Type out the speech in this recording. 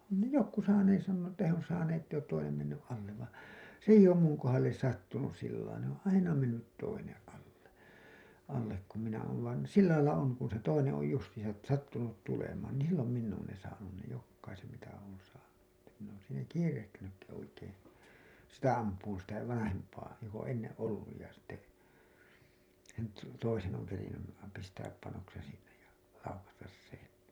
on ne jotkut saaneet sanoa että he on saaneet että ei ole toinen mennyt alle vaan se ei ole minun kohdalle sattunut sillä lailla ne on aina mennyt toinen alle alle kun minä olen vain sillä lailla on kun se toinen on justiinsa sattunut tulemaan niin silloin minä olen ne saanut ne jokaisen mitä olen saanut että minä olen siinä kiirehtinytkin oikein sitä ampumaan sitä vanhempaa joka on ennen ollut ja sitten sen - toisen on kerinnyt pistää panoksen sinne ja laukaista sen